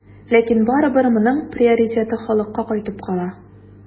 Ләкин барыбер моның приоритеты халыкка кайтып кала.